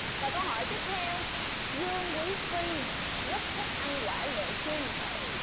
và câu hỏi tiếp theo dương quý phi rất thích ăn quả lệ chi